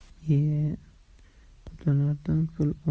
ie qudalardan pul